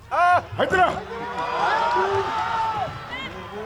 Ayi